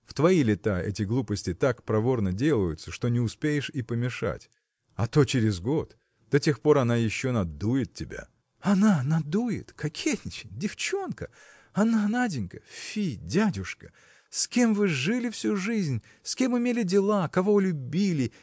В твои лета эти глупости так проворно делаются что не успеешь и помешать а то через год! до тех пор она еще надует тебя. – Она – надует, кокетничает! девчонка! она, Наденька! фи, дядюшка! С кем вы жили всю жизнь с кем имели дела кого любили